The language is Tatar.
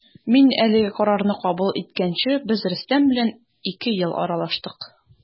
Мин әлеге карарны кабул иткәнче без Рөстәм белән ике ел аралаштык.